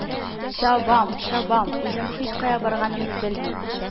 Ча-бам-чабам, үзем һичкая барганымны белмим